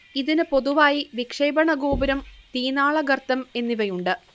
ഇതിനു പൊതുവായി വിക്ഷേപണ ഗോപുരം തീനാളഗർത്തം എന്നിവയുണ്ട്